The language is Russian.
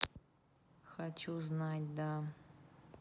хочу знать да